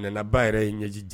A ba yɛrɛ ye ɲɛji ta